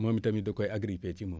moom itamit da koy aggripé ci moom